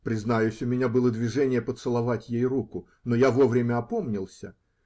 Признаюсь, у меня было движение поцеловать ей руку, но я во время опомнился.